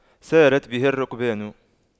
سارت به الرُّكْبانُ